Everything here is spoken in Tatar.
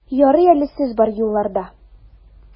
Ярый әле сез бар юлларда!